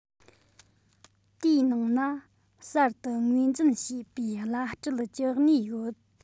དེའི ནང ན གསར དུ ངོས འཛིན བྱས པའི བླ སྤྲུལ བཅུ གཉིས ཡོད